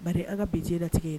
Ba aw ka bi ji latigɛ e la